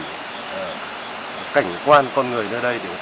cảnh quan con người nơi đây